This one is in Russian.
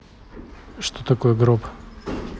что такое гроб